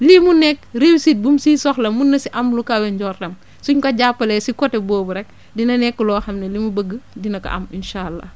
lii mu nekk réussite bu mu siy soxla mun na si am lu kawe njortam suñ ko jàppalee si côté boobu rek dina nekk loo xam ne li mu bëgg dina ko am incha allah